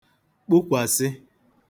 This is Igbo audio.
kpukwàsị